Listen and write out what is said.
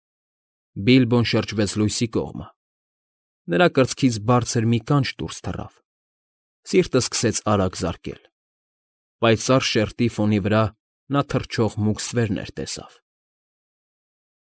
Բիլբոն շրջվեց լույսի կողմը, նրա կրծքից բարձր մի կանչ դուրս թռավ, սիրտն սկսեց արագ զարկել. պայծառ շերտի ֆոնի վրա նա թռչող մուգ ստվերներ տեսավ։ ֊